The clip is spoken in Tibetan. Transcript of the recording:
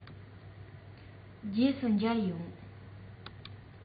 རྗེས སུ མཇལ ཡོང